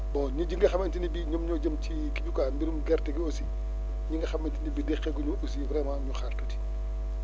bon nit yi nga xamante ne bii ñoom ñoo jëm ci kii bi quoi mbirum gerte gi aussi ñi nga xamante ne bii deqeeguñu aussi vraiment ñu xaar tuuti